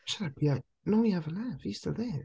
Shut up he ha- no he haven't left he's still there.